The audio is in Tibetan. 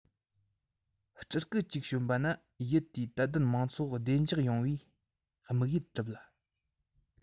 སྤྲུལ སྐུ གཅིག བྱོན པ ན ཡུལ དེའི དད ལྡན མང ཚོགས བདེ འཇགས ཡོང བའི དམིགས ཡུལ གྲུབ ལ